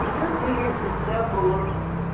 Очып йөри өстә болыт.